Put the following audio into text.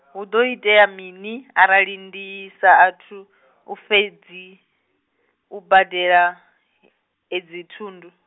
hu ḓo itea mini, arali ndi sa athu , u fhedzi, u badela, edzi thundu?